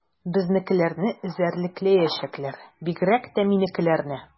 Безнекеләрне эзәрлекләячәкләр, бигрәк тә минекеләрне.